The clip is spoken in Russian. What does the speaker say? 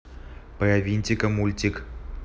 про винтика мультик